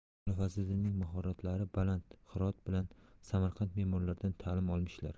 mulla fazliddinning mahoratlari baland hirot bilan samarqand memorlaridan talim olmishlar